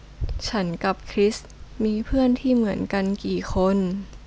ฉันกับคริสมีเพื่อนที่เหมือนกันกี่คน